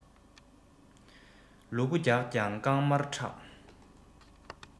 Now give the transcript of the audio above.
ལུ གུ རྒྱགས ཀྱང རྐང མར ཁྲག